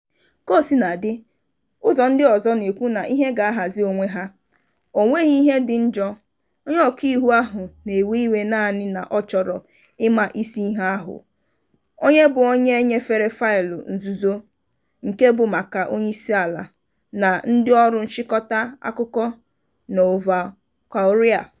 Kaosinadị, ụzọ ndị ọzọ na-ekwu na ihe ga-ahazi onwe ha, "ọ nweghị ihe dị njọ, onye Ọkaiwu ahụ na-ewe iwe naanị na ọ chọrọ ịma isi ihe ahụ, onye bụ onye nyere faịlụ nzuzo nke bụ maka onyeisiala, na ndịọrụ nchịkọta akụkọ Nouveau Courrier.